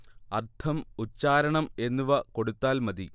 അർത്ഥം ഉച്ചാരണം എന്നിവ കൊടുത്താൽ മതി